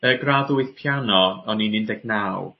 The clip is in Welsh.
Yy gradd wyth piano o'n i'n un deg naw.